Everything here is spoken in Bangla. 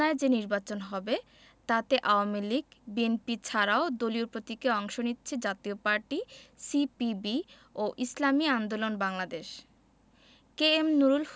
কাল খুলনায় যে নির্বাচন হবে তাতে আওয়ামী লীগ বিএনপি ছাড়াও দলীয় প্রতীকে অংশ নিচ্ছে জাতীয় পার্টি সিপিবি ও ইসলামী আন্দোলন বাংলাদেশ